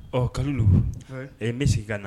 Ɔ Kalilu, ee n bɛ sigin ka na